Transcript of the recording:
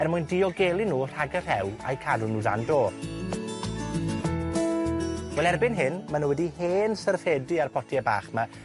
Er mwyn diogelu nw rhag y rhew, a'u cadw nw ddan do. Wel, erbyn hyn, ma' nw wedi hen syrffedi â'r potie bach 'ma,